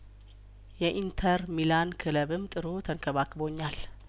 የኢንተር ሚላን ክለብም ጥሩ ተንከባክቦኛል